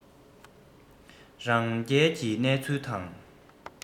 རང རྒྱལ གྱི གནས ཚུལ དང